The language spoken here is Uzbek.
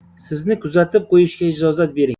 sizni kuzatib qo'yishga ijozat bering